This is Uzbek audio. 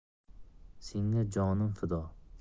senga jonim fido